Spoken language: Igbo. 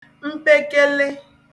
mpekele